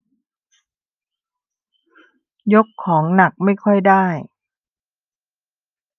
ยกของหนักไม่ค่อยได้